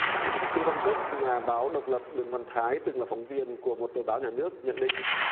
từ băng cốc nhà báo độc lập đường văn thái từng là phóng viên của một tờ báo nhà nước nhận định